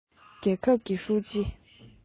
རྒྱལ ཁབ ཀྱི ཀྲུའུ ཞི